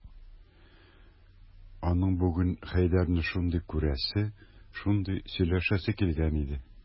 Аның бүген Хәйдәрне шундый күрәсе, шундый сөйләшәсе килгән иде...